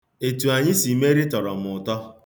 Etu anyị si meri tọrọ m ụtọ.